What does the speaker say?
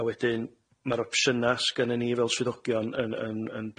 A wedyn ma'r opsiyna' s'gennyn ni fel swyddogion yn yn yn